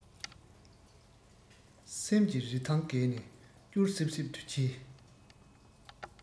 སེམས ཀྱི རི ཐང བརྒལ ནས སྐྱུར སིབ སིབ ཏུ གྱེས